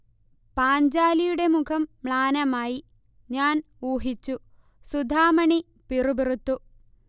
പാഞ്ചാലിയുടെ മുഖം മ്ളാനമായി 'ഞാൻ ഊഹിച്ചു' സുധാമണി പിറുപിറുത്തു